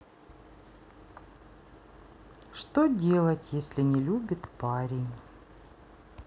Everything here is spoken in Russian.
что делать если не любит парень